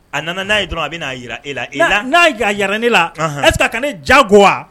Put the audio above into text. A nana n'a ye dɔrɔn, a bɛna, a jira e la, n'a a jira la ne la, anhan est-ce que a ka ne jagoya wa?